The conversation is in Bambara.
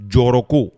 Jɔyɔrɔ ko